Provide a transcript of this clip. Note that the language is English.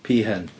Peahen.